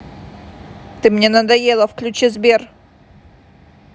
ты мне надоела включи сбер